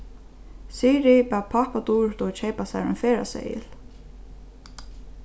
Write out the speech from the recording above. sirið bað pápa duritu keypa sær ein ferðaseðil